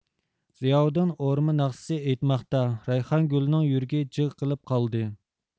زىياۋۇدۇن ئورما ناخشىسى ئېيتماقتا رەيھانگۈلنىڭ يۈرىكى جىغ قىلىپ قالدى